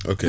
ok